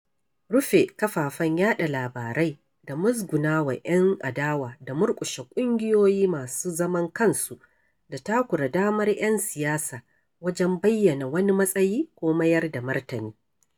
Rufe kafafen yaɗa labarai da muzgunawa 'yan adawa da murƙushe ƙungiyoyi masu zaman kansu da takura damar 'yan siyasa wajen bayyana wani matsayi ko mayar da martani.